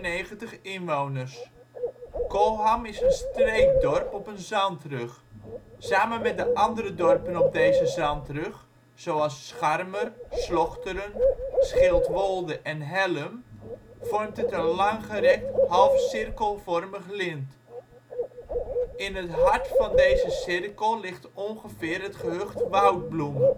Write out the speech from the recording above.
1.491 inwoners. Kolham is een streekdorp op een zandrug. Samen met de andere dorpen op deze zandrug, zoals Scharmer, Slochteren, Schildwolde en Hellum, vormt het een langgerekt half cirkelvormig lint. In het hart van deze cirkel ligt ongeveer het gehucht Woudbloem